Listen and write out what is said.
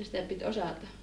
että sitä piti osata